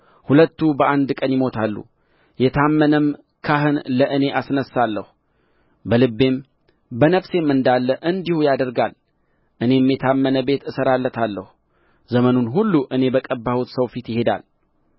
ሁለቱ በአንድ ቀን ይሞታሉ የታመነም ካህን ለእኔ አስነሣለሁ በልቤም በነፍሴም እንዳለ እንዲሁ ያደርጋል እኔም የታመነ ቤት እሠራለታለሁ ዘመኑን ሁሉ እኔ በቀባሁት ሰው ፊት ይሄዳል